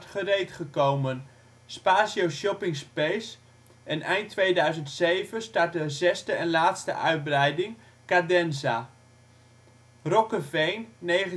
gereed gekomen, Spazio Shopping Space en eind 2007 start de 6e en laatste uitbreiding, Cadenza. Rokkeveen (1987